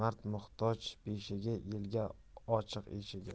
mard muhtoj beshigi elga ochiq eshigi